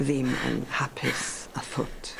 ddim yn hapus a thwt.